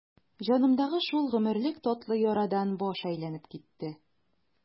Җанымдагы шул гомерлек татлы ярадан баш әйләнеп китте.